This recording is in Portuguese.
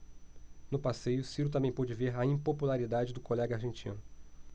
no passeio ciro também pôde ver a impopularidade do colega argentino